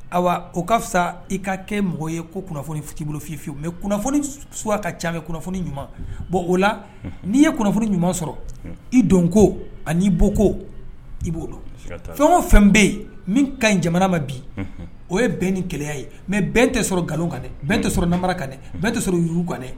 Ayiwa o ka fisa i ka kɛ mɔgɔ ye ko kunnafoni f' bolo fiyeyewu mɛ kunnafoni su a ka ca kunnafoni ɲuman bon o la n'i ye kunnafoni ɲuman sɔrɔ i don ko ani'i bɔ ko i b'o don fɛn o fɛn bɛ yen min ka ɲi jamana ma bi o ye bɛn ni gɛlɛyaya ye mɛ bɛn tɛ sɔrɔ nkalon kanɛ bɛn tɛ sɔrɔ nara kan ne tɛ sɔrɔ yur kanɛ